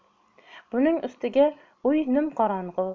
buning ustiga uy nimqorong'i